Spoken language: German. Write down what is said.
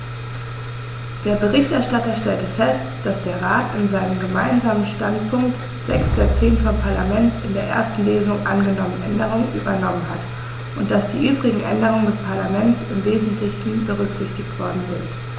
Der Berichterstatter stellte fest, dass der Rat in seinem Gemeinsamen Standpunkt sechs der zehn vom Parlament in der ersten Lesung angenommenen Änderungen übernommen hat und dass die übrigen Änderungen des Parlaments im wesentlichen berücksichtigt worden sind.